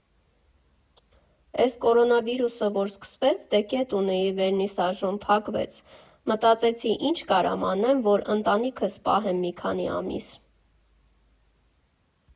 Էս կորոնավիրուսը որ սկսվեց, դե կետ ունեի Վերնիսաժում՝ փակվեց, մտածեցի՝ ի՞նչ կարամ անեմ, որ ընտանիքս պահեմ մի քանի ամիս։